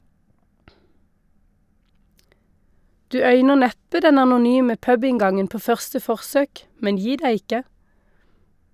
Du øyner neppe den anonyme pubinngangen på første forsøk, men gi deg ikke.